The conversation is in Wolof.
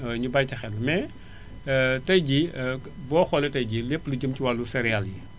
ñu bàyyi ci xel mais tay jii boo xoolee tay jii lépp li jëm ci wàllu céréales yi